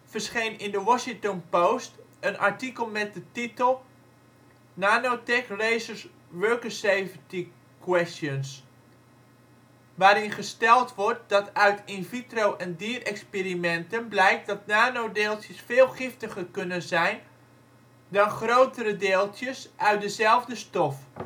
verscheen in de Washington Post een artikel met de titel Nanotech Raises Worker-Safety Questions, waarin gesteld wordt dat uit in-vitro - en dierexperimenten blijkt dat nanodeeltjes veel giftiger kunnen zijn dan grotere deeltjes uit dezelfde stof